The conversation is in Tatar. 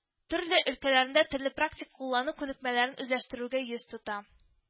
Төрле өлкәләрендә телне практик куллану күнекмәләрен үзләштерүгә йөз тота